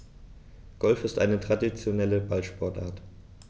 Golf ist eine traditionelle Ballsportart.